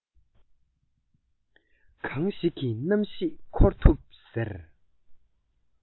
གང ཞིག གི རྣམ ཤེས འཁོར ཐུབ ཟེར